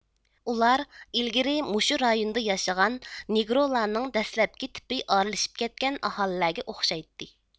ئۇلار ئىلگىرى مۇشۇ رايوندا ياشىغان نېگرولارنىڭ دەسلەپكى تىپى ئارىلىشىپ كەتكەن ئاھالىلەرگە ئوخشايتتى